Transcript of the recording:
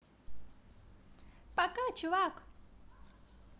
пока чувак